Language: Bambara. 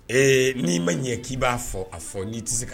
Ee ni ma ɲɛ k'i b'a fɔ a fɔ n'i tɛ se ka